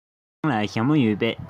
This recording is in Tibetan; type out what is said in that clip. ཁྱེད རང ལ ཞྭ མོ ཡོད པས